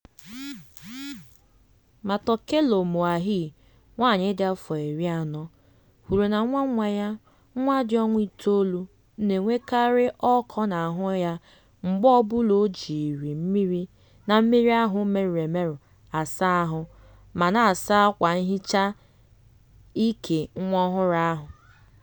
Matokelo Moahi, nwaanyị dị afọ 40, kwuru na nwa nwa ya, nwa dị ọnwa itoolu, na-enwekarị ọkọ n'ahụ ya mgbe ọbụla o jiri mmiri na mmiri ahụ merụrụ emerụ asa ahụ ma na-asa akwa nhicha ike nwa ọhụrụ ahụ.